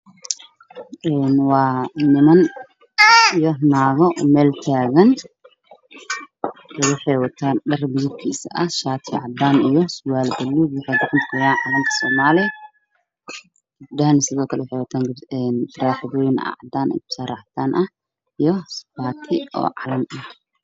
Waa niman iyo naago oo meel taagan waxay wataan dhar midabkiisu uu yahay shaatiyo cadaan ah iyo surwaalo buluug ah, waxay wataan calanka soomaaliya, gabadha waxay wataan taraaxado cadaan ah, garbasaaro cadaan ah iyo baati oo calanka soomaaliya ah.